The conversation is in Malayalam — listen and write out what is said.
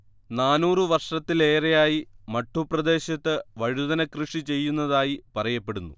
നാനൂറ് വർഷത്തിലേറെയായി മട്ടുപ്രദേശത്ത് വഴുതന കൃഷി ചെയ്യുന്നതായി പറയപ്പെടുന്നു